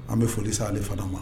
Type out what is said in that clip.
An bɛ foli s'ale fana ma